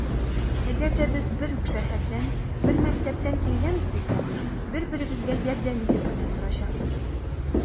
Әгәр дә без бер үк шәһәрдән, бер мәктәптән килгәнбез икән, бер-беребезгә ярдәм итеп кенә торачакбыз.